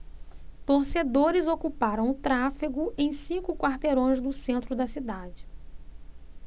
torcedores ocuparam o tráfego em cinco quarteirões do centro da cidade